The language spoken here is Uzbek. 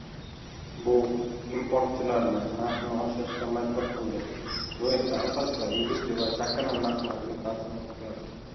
bu importchilarni narxni oshirishga majbur qildi bu esa albatta ulgurji va chakana narxlarga ta'sirini o'tkazdi